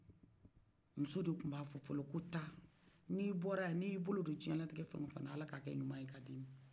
muso de tun b'a fɔlɔ ko taa n'i bɔla yan n'ye bolodon jɛnan tigɛ fɛw fɛn na ala ka kɛ ɲuman ye k'a d'i ma